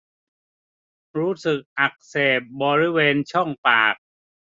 รู้สึกอักเสบบริเวณช่องปาก